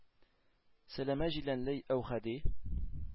Сәләмә җиләнле Әүхәди,